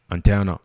An tɛana